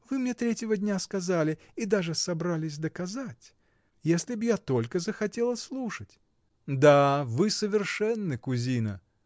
Вы мне третьего дня сказали и даже собрались доказать, если б я только захотела слушать. — Да, вы совершенны, кузина